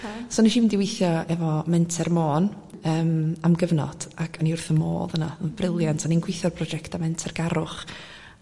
so neshi fynd i withio efo Menter Môn yym am gyfnod ag oni wrth 'y modd yna oddo'n briliant o'n i'n gwithio'r brojecta mentargarwch